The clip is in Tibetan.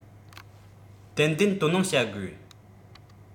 ཏན ཏན དོ སྣང བྱ དགོས